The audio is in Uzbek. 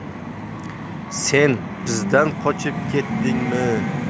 sen bizdan qochib keldingmi